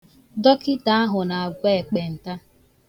Dọkịta ahụ na-agwọ ekpenta.